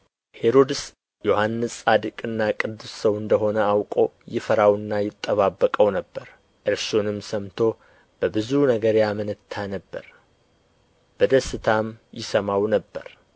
ሄሮድስ ዮሐንስ ጻድቅና ቅዱስ ሰው እንደ ሆነ አውቆ ይፈራውና ይጠባበቀው ነበር እርሱንም ሰምቶ በብዙ ነገር ያመነታ ነበር በደስታም ይሰማው ነበር